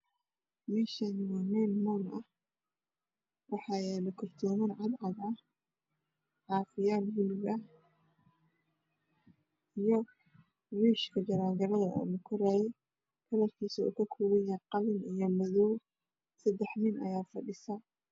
Meshaani waa meel mool ah waxa yaala kartooman cad cad ah cafiyaal puluugah iyo wiishka jaranjarada lagu koro midapkiiso oo kakoopan yahy qalin iyo madow sadax nin ayaa fadhiso